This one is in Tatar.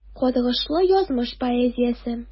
Каргышлы язмыш поэзиясе.